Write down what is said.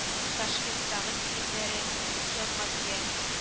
Ташкенттагы киленнәре җанга тия